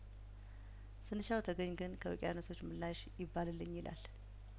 ስንሻው ተገኘ ግን ከውቅያኖሶች ምላሽ ይባልልኝ ይላል